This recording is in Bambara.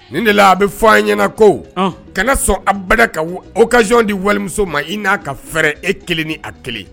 Nin de la a bɛ fɔ an ɲɛna ko kana sɔn a bada ka aw ka janɔn di walimuso ma i n'a ka fɛɛrɛ e kelen ni a kelen